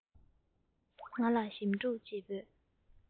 ང ལ ཞིམ ཕྲུག ཅེས འབོད